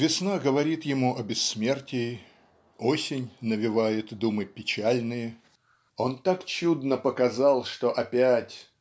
весна говорит ему о бессмертии, осень навевает думы печальные. Он так чудно показал что "опять